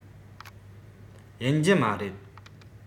ཡིན རྒྱུ མ རེད